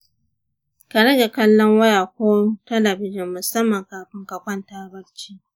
ka rage kallon waya ko talbijan, musamman kafin ka kwanta barci.